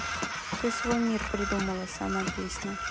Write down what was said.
ты свой мир придумала сама песня